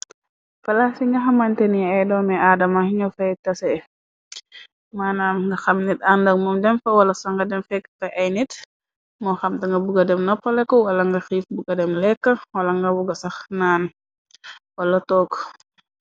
Palasci nga xamante ni ay dome adama xino fay tase mana nga xam nit àndak moom demfa wala sax nga dem fekkte ay nit moo xamt nga buga dem noppaleku wala nga xiif buga dem lekka wala nga buga sax naan wala took.